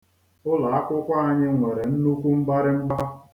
Ụlọakwụkwọ anyị nwere nnukwu mgbarịmgba.